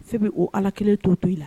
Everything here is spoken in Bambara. Se' ala kelen to to i la